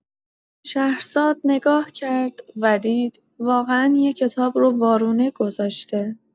شهرزاد نگاه کرد و دید واقعا یه کتاب رو وارونه گذاشته.